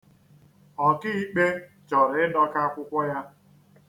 Ọkịikpe chọrọ ịdọka akwụkwọ ya.